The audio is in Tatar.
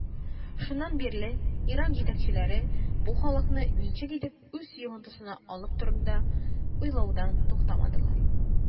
Шуннан бирле Иран җитәкчеләре бу халыкны ничек итеп үз йогынтысына алу турында уйлаудан туктамадылар.